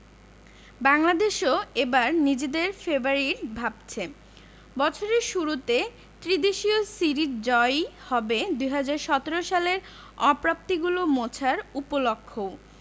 বাংলাদেশও এবার নিজেদের ফেবারিট ভাবছে বছরের শুরুতে ত্রিদেশীয় সিরিজ জয়ই হবে ২০১৭ সালের অপ্রাপ্তিগুলো মোছার উপলক্ষও